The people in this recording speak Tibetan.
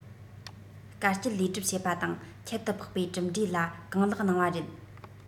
དཀའ སྤྱད ལས སྒྲུབ བྱེད པ དང ཁྱད དུ འཕགས པའི གྲུབ འབྲས ལ གང ལེགས གནང བ རེད